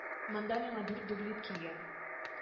Монда миңа дүрт дублит килгән